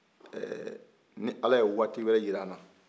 ɛɛ ni ala ye waati wɛrɛ jira an na